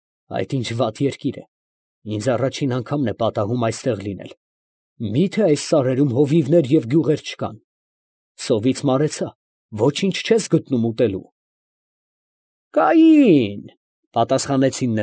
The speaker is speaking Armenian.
Այդ ի՞նչ վատ երկիր է, ինձ առաջին անգամն է պատահում այստեղ լինել. մի՞թե այս սարերում հովիվներ և գյուղեր չկան. սովից մարեցա, ոչինչ չես գտնում ուտելու։ ֊ Կային, ֊ պատասխանեցին։